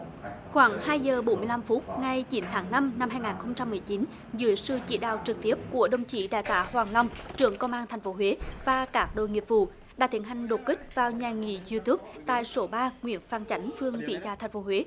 khoảng hai giờ bốn mươi lăm phút ngày chín tháng năm năm hai ngàn không trăm mười chín dưới sự chỉ đạo trực tiếp của đồng chí đại tá hoàng long trưởng công an thành phố huế và các đội nghiệp vụ đã tiến hành đột kích vào nhà nghỉ diu túp tại số ba nguyễn phan chánh phường vĩ dạ thành phố huế